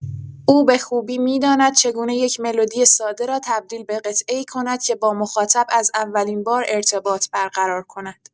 او به خوبی می‌داند چگونه یک ملودی ساده را تبدیل به قطعه‌ای کند که با مخاطب از اولین بار ارتباط برقرار کند.